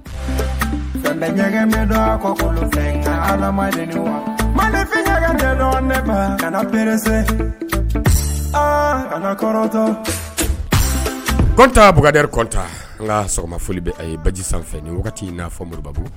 Gɛn ka ala ma mande ne ma kana peere an ka kɔrɔtɔ kɔntan bkari kɔntan an ka sɔgɔma foli bɛ a ye baji sanfɛ ye wagati in n'a fɔ moriba bolo